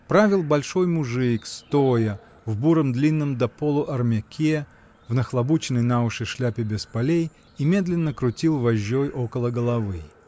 Правил большой мужик, стоя, в буром длинном до полу армяке, в нахлобученной на уши шляпе без полей, и медленно крутил вожжой около головы.